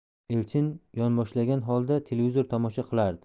elchin yonboshlagan holda televizor tomosha qilardi